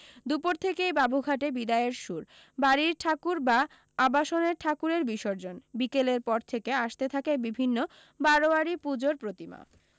দুপুর থেকেই বাবুঘাটে বিদায়ের সুর বাড়ীর ঠাকুর বা আবাসনের ঠাকুরের বিসর্জন বিকেলের পর থেকে আসতে থাকে বিভিন্ন বারোয়ারি পূজোর প্রতিমা